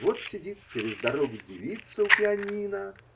Вот сидит, через дорогу, девица у пианино